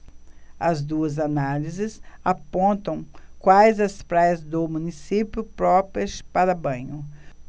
as duas análises apontam quais as praias do município próprias para banho